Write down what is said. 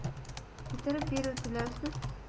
Китереп бирү - түләүсез.